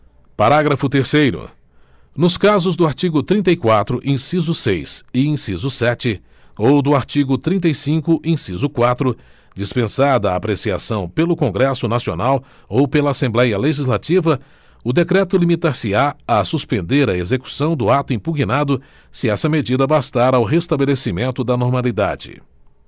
parágrafo terceiro nos casos do artigo trinta e quatro inciso seis e inciso sete ou do artigo trinta e cinco inciso quatro dispensada a apreciação pelo congresso nacional ou pela assembléia legislativa o decreto limitar se á a suspender a execução do ato impugnado se essa medida bastar ao restabelecimento da normalidade